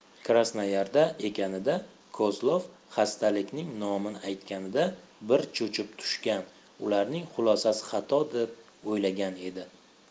krasnoyarda ekanida kozlov xastalikning nomini aytganida bir cho'chib tushgan ularning xulosasi xatodir deb o'ylagan edi